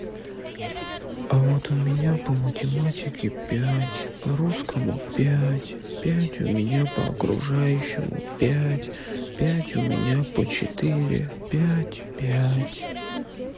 а вот у меня по математике пять по русскому пять пять у меня по окружающему пять пять у меня по четыре пять пять